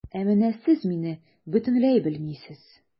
Ә менә сез мине бөтенләй белмисез.